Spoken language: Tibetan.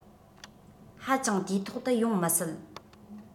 ཧ ཅང དུས ཐོག ཏུ ཡོང མི སྲིད